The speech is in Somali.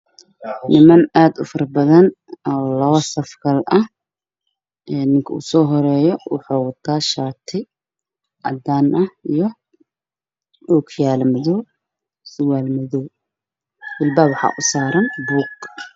Waa niman aad u faro badan oo labo saf ah, ninka ugu soo horeeyo waxuu wataa shaati cadaan ah iyo ookiyaalo madow ah, surwaal madow, jilbaha waxaa u saaran buug.